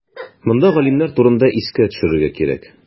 Монда галимнәр турында искә төшерергә кирәк.